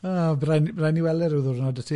O, by rai- rai' ni weld e ryw ddiwrnod wyt ti.